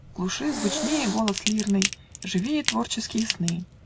В глуши звучнее голос лирный, Живее творческие сны.